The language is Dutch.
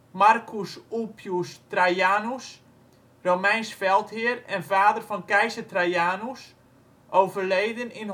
Marcus Ulpius Traianus, Romeins veldheer en vader van keizer Trajanus (overleden 100) 8